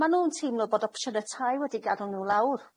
Ma' nw'n teimlo bod opsiyne tai wedi gad'el nw lawr.